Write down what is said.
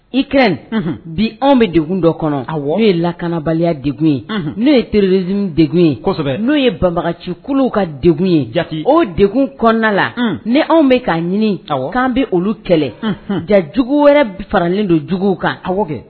Ik bi anw bɛ deg dɔ kɔnɔ a n ye lakanabaliya deg ye n'o ye terieredz deg ye n'o ye banbagacikulu ka deg ye ja o deg kɔnɔna la ne bɛ k' ɲini aw k'an bɛ olu kɛlɛ da jugu wɛrɛ faralen don juguw kan a kɛ